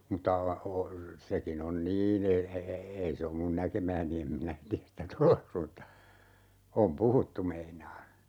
mutta -- sekin on niin --- ei se ole minun näkemääni en minä tiedä sitä todeksi mutta on puhuttu meinaan